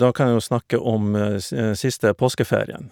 Da kan jeg jo snakke om s siste påskeferien.